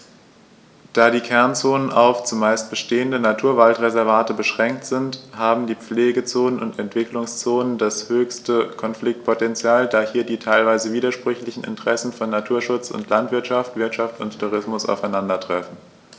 Da die Kernzonen auf – zumeist bestehende – Naturwaldreservate beschränkt sind, haben die Pflegezonen und Entwicklungszonen das höchste Konfliktpotential, da hier die teilweise widersprüchlichen Interessen von Naturschutz und Landwirtschaft, Wirtschaft und Tourismus aufeinandertreffen.